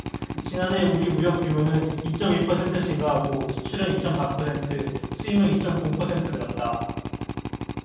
지난해 우리나라 무역 규모는 이 쩜 이 퍼센트 증가하고 수출은 이 쩜 사 퍼센트 수입은 이 쩜 공 퍼센트 늘었다